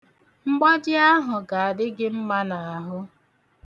Mgbaji ahụ ga-adị gị mma n'ahụ.